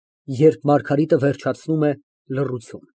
Երբ Մարգարիտը վերջացնում է, լռություն)։